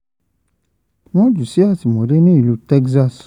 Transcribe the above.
Wọ́n jù ú sí àtìmọ́lé ní ìlú Texas.